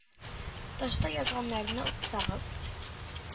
Ташта язганнарны укысагыз,